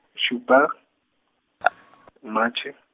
šupa , Matšhe.